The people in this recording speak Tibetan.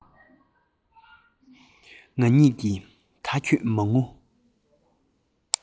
ང གཉིས ཀྱིས ད ཁྱོད མ ངུ